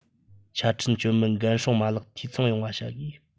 ཆ འཕྲིན སྐྱོན མེད འགན སྲུང མ ལག འཐུས ཚང ཡོང བ བྱ དགོས